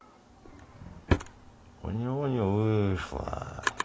у него не вышло